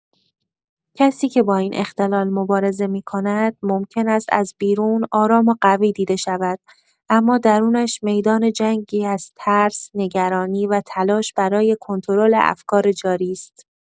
کسی که با این اختلال مبارزه می‌کند ممکن است از بیرون آرام و قوی دیده شود، اما درونش میدان جنگی از ترس، نگرانی و تلاش برای کنترل افکار جاری است.